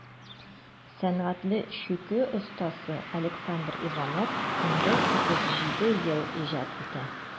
Сәнгатьле чүкү остасы Александр Иванов инде 37 ел иҗат итә.